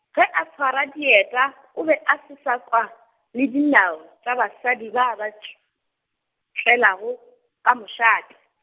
ge a tshwara dieta, o be a se sa kwa, le dinao tša basadi ba ba tš-, tšwelego ka mošate.